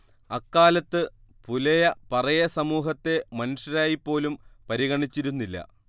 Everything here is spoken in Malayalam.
അക്കാലത്ത് പുലയപറയ സമൂഹത്തെ മനുഷ്യരായി പോലും പരിഗണിച്ചിരുന്നില്ല